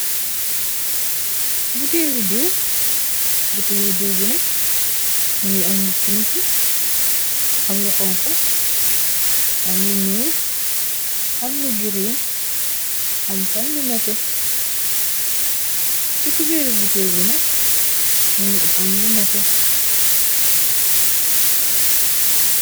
buteel i diiw buteel i diiw bi nakk mu ngi am lu pink am lu xonk am lu nuul am lu gireen am tam lu neté ci ko béeri butéew bi nakk mu ngi am lu neté